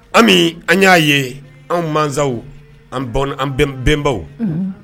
Ami an ɲ'a ye anw mansaw an baw n'an an bɛn bɛnbaw unhun